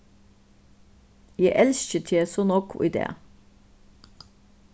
eg elski teg so nógv í dag